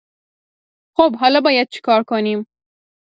خب حالا باید چی کار کنیم؟